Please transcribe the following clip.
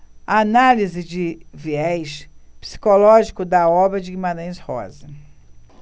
análise de viés psicológico da obra de guimarães rosa